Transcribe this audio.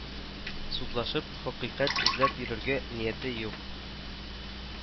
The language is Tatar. Судлашып, хакыйкать эзләп йөрергә нияте юк